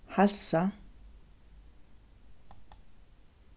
heilsa